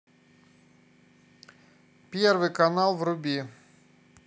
первый канал вруби